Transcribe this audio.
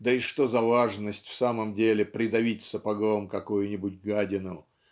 да и что за важность в самом деле придавить сапогом какую-нибудь гадину